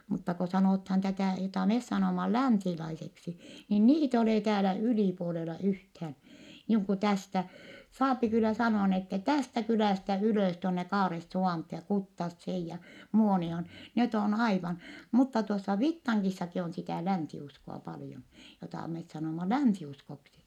mutta kun sanotaan tätä jota me sanomme länsilaiseksi niin niitä ei ole täällä ylipuolella yhtään niin kuin tästä saa kyllä sanoa niin että tästä kylästä ylös tuonne Kaaresuvantoon ja Kuttaseen ja Muonioon ne on aivan mutta tuossa Vittangissakin on sitä länsiuskoa paljon jota me sanomme länsiuskoksi